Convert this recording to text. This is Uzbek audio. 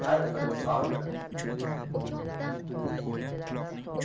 har bir ho'l uchun